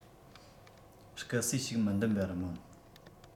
སྐུ སྲས ཞིག མི འདེམ པར སྨོན